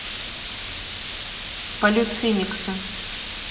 полет феникса